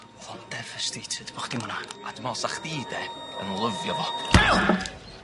O'dd o'n devastated bo' chdi'n myna. A dwi me'wl sa chdi de yn lyfio fo.